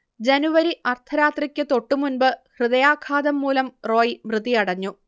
ജനുവരി അർദ്ധരാത്രിക്കു തൊട്ടുമുമ്പ് ഹൃദയാഘാതം മൂലം റോയ് മൃതിയടഞ്ഞു